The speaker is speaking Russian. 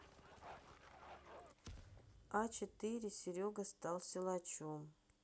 а четыре серега стал силачом